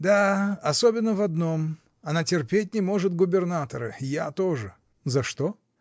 — Да, особенно в одном: она терпеть не может губернатора, и я тоже. — За что?